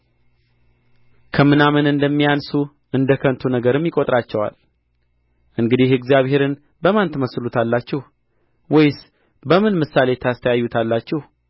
ከምናምን እንደሚያንሱ እንደ ከንቱ ነገርም ይቈጥራቸዋል እንግዲህ እግዚአብሔርን በማን ትመስሉታላችሁ ወይስ በምን ምሳሌ ታስተያዩታላችሁ